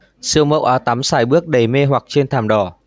siêu mẫu áo tắm sải bước đầy mê hoặc trên thảm đỏ